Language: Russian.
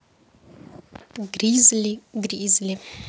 гризли гризли